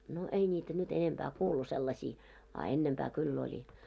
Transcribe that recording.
no ei niitä nyt enempää kuulu sellaisia a ennempää kyllä oli